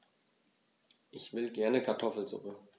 Ich will gerne Kartoffelsuppe.